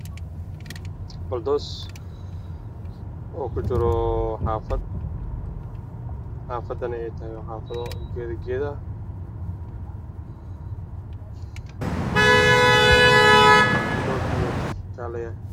Waa cagaf cagaf midabkeedu yahay jaalo geedo cagaaran ayaa Ii muuqda